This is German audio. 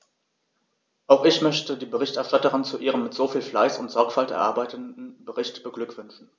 Auch ich möchte die Berichterstatterin zu ihrem mit so viel Fleiß und Sorgfalt erarbeiteten Bericht beglückwünschen.